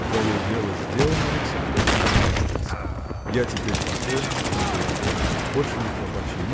Твое дело сделано, Александр, и мастерски! я теперь покоен надолго. Больше не хлопочи.